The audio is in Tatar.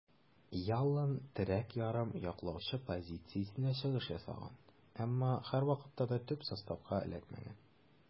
Ялланн терәк ярым яклаучы позициясендә чыгыш ясаган, әмма һәрвакытта да төп составка эләкмәгән.